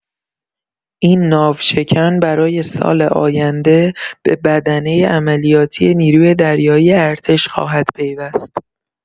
این ناوشکن برای سال آینده به بدنه عملیاتی نیروی دریایی ارتش خواهد پیوست.